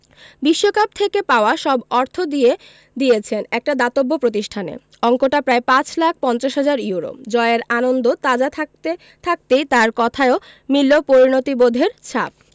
বিশ্বকাপ থেকে পাওয়া সব অর্থ দিয়ে দিয়েছেন একটা দাতব্য প্রতিষ্ঠানে অঙ্কটা প্রায় ৫ লাখ ৫০ হাজার ইউরো জয়ের আনন্দ তাজা থাকতে থাকতেই তাঁর কথায়ও মিলল পরিণতিবোধের ছাপ